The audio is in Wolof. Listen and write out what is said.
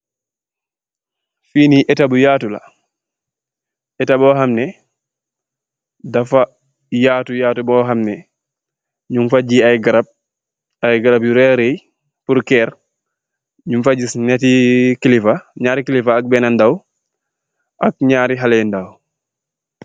Fini aitta bou yatou la aye nyerri kellifa ak aye halle nyofa tock